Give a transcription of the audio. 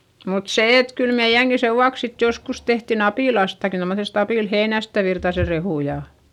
mutta se että kyllä meidänkin sen vuoksi sitten joskus tehtiin apilastakin tuommoisesta apilaheinästä Virtasen rehua ja